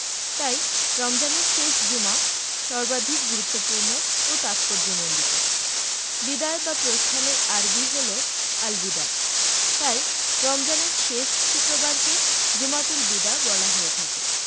তাই রমজানের শেষ জুমা সর্বাধিক গুরুত্বপূর্ণ ও তাৎপর্যমণ্ডিত বিদায় বা প্রস্থানের আরবি হলো আল বিদা তাই রমজানের শেষ শুক্রবারকে জুমাতুল বিদা বলা হয়ে থাকে